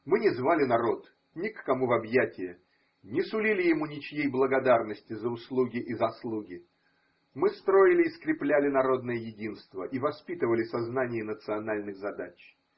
Мы не звали народ ни к кому в объятия, не сулили ему ничьей благодарности за услуги и заслуги: мы строили и скрепляли народное единство, и воспитывали сознание национальных задач.